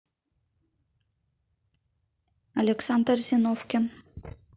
александр зиновкин